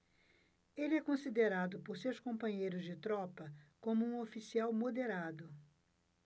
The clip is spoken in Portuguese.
ele é considerado por seus companheiros de tropa como um oficial moderado